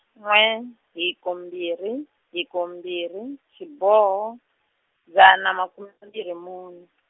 n'we hiko mbirhi, hiko mbirhi, xiboho, dzana makume mbirhi mune.